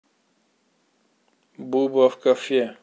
буба в кафе